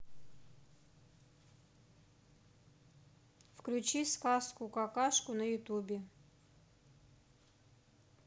включи сказку какашку на ютубе